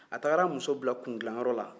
a tagara a muso bila kundilan yɔrɔ la